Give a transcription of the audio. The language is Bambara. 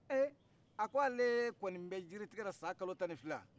ee a ko ale kɔni bɛ jiri tigɛla san kalo tan ani fila